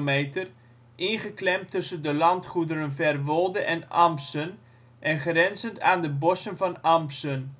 1,5 km, ingeklemd tussen de landgoederen Verwolde en Ampsen en grenzend aan de bossen van Ampsen.